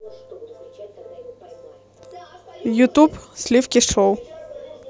ютуб сливки шоу